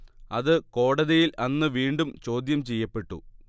അത് കോടതിയിൽ അന്ന് വീണ്ടും ചോദ്യം ചെയ്യപ്പെട്ടു